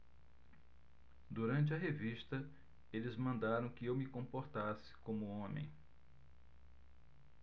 durante a revista eles mandaram que eu me comportasse como homem